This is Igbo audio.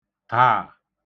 Taa!